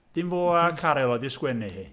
Dim fo a Caryl oedd 'di sgwennu hi?